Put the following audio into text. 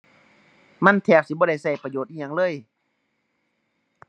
มันแทบสิบ่ได้ใช้ประโยชน์อิหยังเลย